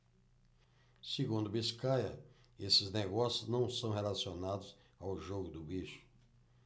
segundo biscaia esses negócios não são relacionados ao jogo do bicho